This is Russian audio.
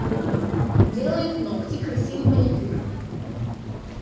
делают ногти красивый маникюр